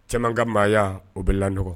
Cɛman ka maaya o bɛ la dɔgɔ